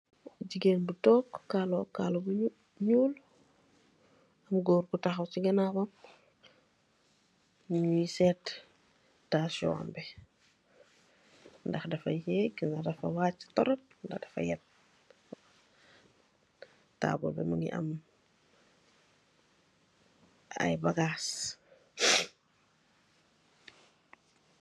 Gegain Bu tok, kaloh kala Bu nyul. Am gorr Bu tahaw si ganaw wam. Nyu seet tansom bi nah dafa aek nah dafa wacha torop, nah dafa em. Tabul bange am ayy bagash.